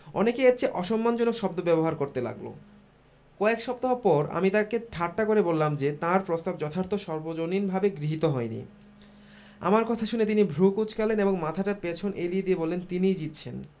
অনেকে এর চেয়ে অসম্মানজনক শব্দ ব্যবহার করতে লাগল কয়েক সপ্তাহ পর আমি তাঁকে ঠাট্টা করে বললাম যে তাঁর প্রস্তাব যথার্থ সর্বজনীনভাবে গৃহীত হয়নি আমার কথা শুনে তিনি ভ্রু কুঁচকালেন এবং মাথাটা পেছন এলিয়ে দিয়ে বললেন তিনিই জিতছেন